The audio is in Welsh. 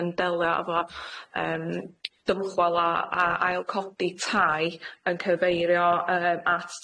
yn delio efo yym dymchwel a a ail codi tai yn cyfeirio yym at